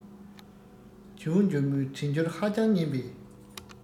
བྱིའུ འཇོལ མོའི གྲེ འགྱུར ཧ ཅང སྙན པས